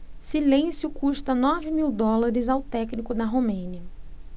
silêncio custa nove mil dólares ao técnico da romênia